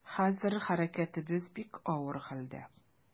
Хәзер хәрәкәтебез бик авыр хәлдә.